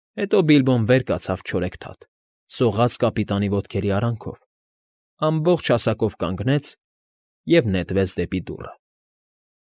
Հետո Բիլբոն վեր կացավ չորեքթաթ, սողաց կապիտանի ոտքերի արանքով, ամբողջ հասակով կանգնեց և նետվեց դեպի դուռը։